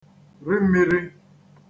ri mmiri